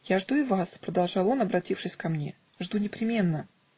Я жду и вас, -- продолжал он, обратившись ко мне, -- жду непременно".